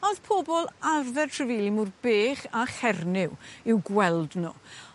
a o'dd pobol arfer trafeilu mor bech a Chernyw i'w gweld n'w